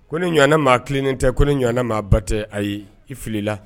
Ko ni ɲɔgɔnɛ maa tilenin tɛ ko ni ɲɔgɔnɛ maa ba tɛ ayi ye i filila